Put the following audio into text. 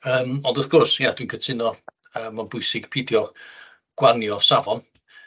Yym, ond wrth gwrs, ia dwi'n cytuno, mae'n bwysig peidio gwanio safon.